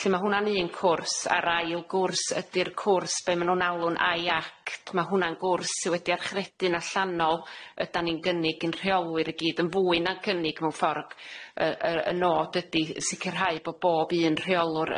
lly ma' hwnna'n un cwrs a'r ail gwrs ydi'r cwrs be' ma' nw'n alw'n eye act ma' hwnna'n gwrs sy wedi archredu'n allanol ydan ni'n gynnig i'n rheolwyr i gyd yn fwy na gynnig mewn ffor' yy yy y nod ydi sicirhau bo' bob un rheolwr